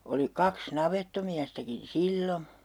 oli kaksi navettamiestäkin silloin